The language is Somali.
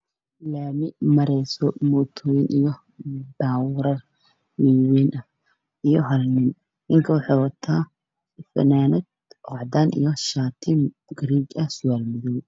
Waa laami waxaa maraayo mootooyin iyo baabuuro iyo hal nin waxuu wataa fanaanad cadaan iyo shaati gariije iyo surwaal madow ah.